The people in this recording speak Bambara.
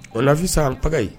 O nafin san an pa yen